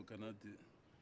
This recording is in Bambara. ka na ten